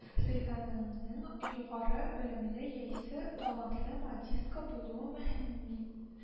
Сөйгәнеңнең югары белемле яисе талантлы модистка булуы мөһимме